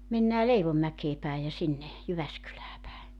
mennään Leivonmäkeen päin ja sinne Jyväskylään päin